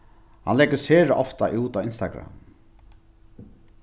hann leggur sera ofta út á instagram